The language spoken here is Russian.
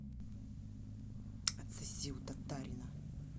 отсоси у татарина